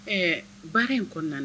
Ɛɛ baara in kɔnɔna na